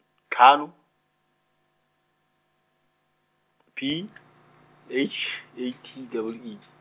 tlhano, P H A T E E.